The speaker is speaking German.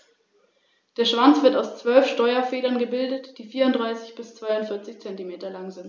In seiner östlichen Hälfte mischte sich dieser Einfluss mit griechisch-hellenistischen und orientalischen Elementen.